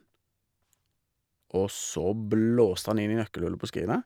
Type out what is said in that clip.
Og så blåste han inn i nøkkelhullet på skrinet.